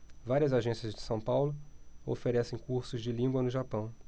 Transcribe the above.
várias agências de são paulo oferecem cursos de língua no japão